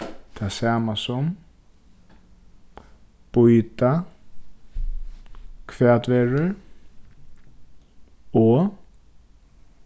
tað sama sum býta hvat verður og